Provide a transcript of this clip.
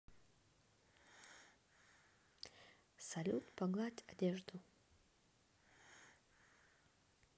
салют погладь одежду